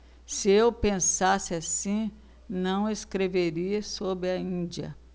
se eu pensasse assim não escreveria sobre a índia